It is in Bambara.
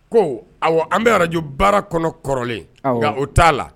Ko an bɛ arajo baara kɔnɔ kɔrɔlen nka o t'a la